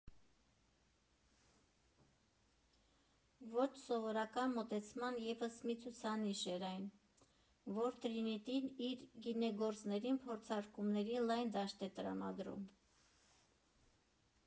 Ոչ սովորական մոտեցման ևս մի ցուցանիշ է այն, որ «Տրինիտին» իր գինեգործներին փորձարկումների լայն դաշտ է տրամադրում.